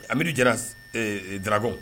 Amidu jara ɛ dragon